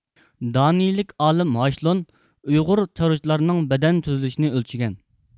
دانىيىلىك ئالىم ھاشلون ئۇيغۇر چارۋىچىلارنىڭ بەدەن تۈزۈلۈشىنى ئۆلچىگەن